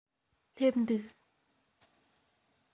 སླེབས འདུག